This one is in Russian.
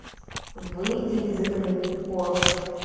выйди из игры пож